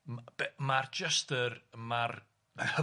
m- be- ma'r jyst yr ma'r y... Hyfryd